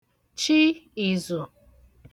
chi ìzù